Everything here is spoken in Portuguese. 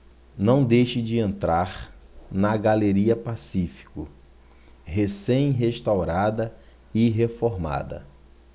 não deixe de entrar na galeria pacífico recém restaurada e reformada